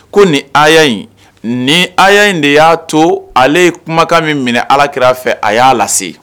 Ko nin a in ni a in de y'a to ale ye kumakan min minɛ alakira a fɛ a y'a lase